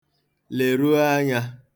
Leruo anya!